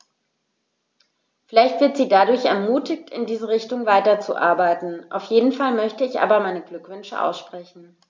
Vielleicht wird sie dadurch ermutigt, in diese Richtung weiterzuarbeiten, auf jeden Fall möchte ich ihr aber meine Glückwünsche aussprechen.